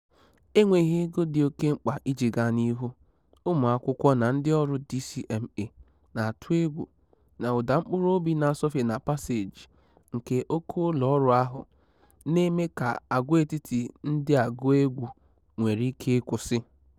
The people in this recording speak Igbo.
Enweghị ego dị oke mkpa iji gaa n'ihu, ụmụakwụkwọ na ndị ọrụ DCMA na-atụ egwu na ụda mkpụrụobi na-asọfe na paseeji nke oké ụlọ ọrụ ahụ na-eme ka agwaetiti ndị a gụọ egwu - nwere ike ịkwụsị.